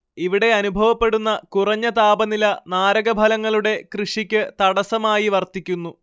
ഇവിടെയനുഭവപ്പെടുന്ന കുറഞ്ഞ താപനില നാരകഫലങ്ങളുടെ കൃഷിക്ക് തടസ്സമായി വർത്തിക്കുന്നു